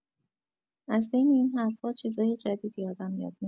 از بین این حرفا چیزای جدیدی آدم یاد می‌گیره